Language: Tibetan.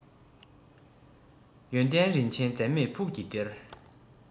ཡོན ཏན རིན ཆེན འཛད མེད ཕུགས ཀྱི གཏེར